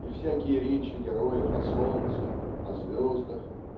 и всякие речи героев о солнце о звездах